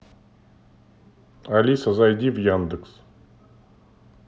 алиса зайди в яндекс